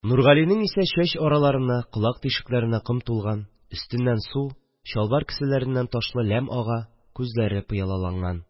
Нургалинең исә чәч араларына, колак тишекләренә ком тулган, өстеннән су, чалбар кесәләреннән ташлы ләм ага, күзләре пыялаланган